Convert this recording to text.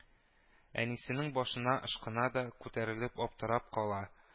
Әнисенең башына ышкына да, күтәрелеп аптырап кала: